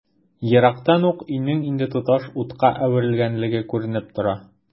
Ерактан ук өйнең инде тоташ утка әверелгәнлеге күренеп тора.